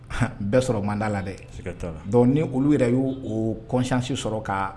N bɛɛ sɔrɔ manda la dɛ ni olu yɛrɛ y'u' kɔnsisi sɔrɔ ka